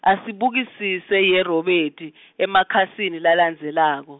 Asubukisise yeRobert, emakhasini lalandzelako.